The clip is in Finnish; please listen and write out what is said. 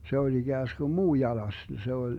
se oli ikään kuin muu jalas se oli